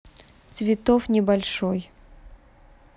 цветов небольшой